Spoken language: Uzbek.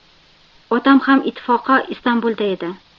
otam ham ittifoqo istambulda edi